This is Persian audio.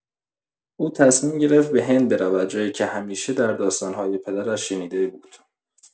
او تصمیم گرفت به هند برود، جایی که همیشه در داستان‌های پدرش شنیده بود.